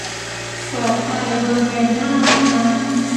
เปิดไฟบริเวณหน้าห้องน้ำ